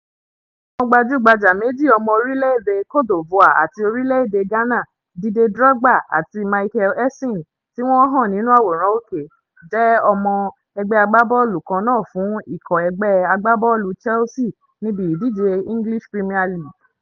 Àwọn gbajú-gbajà méjì ọmọ orílẹ̀ èdè Cote d'Ivoire àti orílẹ̀ èdè Ghana, Dìde Drogba àti Michael Essien (tí wọ́n hàn nínú àwòrán òkè) jẹ́ ọmọ ẹgbẹ́ agbábọ́ọ̀lù kannáà fún ikọ̀ ẹgbẹ́ agbábọ́ọ̀lù Chelsea níbi ìdíje English Premier League.